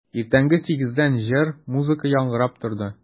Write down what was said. Иртәнге сигездән җыр, музыка яңгырап торды.